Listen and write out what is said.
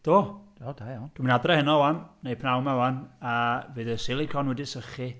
Do... O da iawn. ...Dwi'n mynd i adra heno 'wan, neu prynhawn yma 'wan a fydd y silicone wedi sychu.